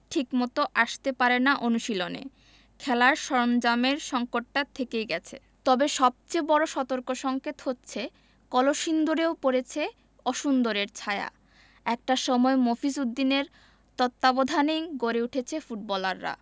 ঠিকমতো আসতে পারে না অনুশীলনে খেলার সরঞ্জামের সংকটটা থেকেই গেছে তবে সবচেয়ে বড় সতর্কসংকেত হচ্ছে কলসিন্দুরেও পড়েছে অসুন্দরের ছায়া একটা সময় মফিজ উদ্দিনের তত্ত্বাবধানেই গড়ে উঠেছে ফুটবলাররা